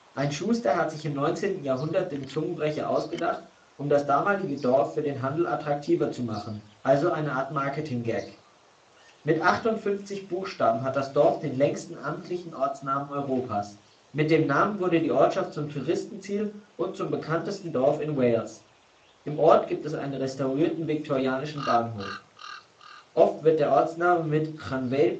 Ein Schuster hat sich im 19. Jahrhundert den Zungenbrecher ausgedacht, um das damalige Dorf für den Handel attraktiver zu machen – also als eine Art Marketinggag. Mit 58 Buchstaben hat das Dorf den längsten amtlichen Ortsnamen Europas. Mit dem Namen wurde die Ortschaft zum Touristenziel und zum bekanntesten Dorf in Wales. Im Ort gibt es einen restaurierten viktorianischen Bahnhof. Oft wird der Ortsname mit Llanfair